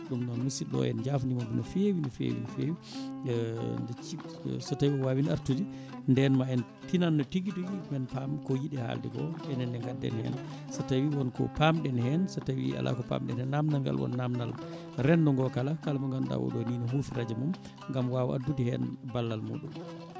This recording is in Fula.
ɗum noon musidɗo o en jafnimomo no fewi no fewi no fewi mbiɗa sikki so tawi o wawino artude nden ma en tinanno tigui ma en paam ko yiiɗi halde ko enenne gadden hen so tawi wonko pamɗen hen so tawi ala ko pamɗen hen namdal ngal won namdal rendogo kala kala mo ganduɗa oɗo ni ne huufi radio mum gaam wawa addude hen ballal muɗum